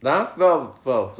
na? Wel wel dw-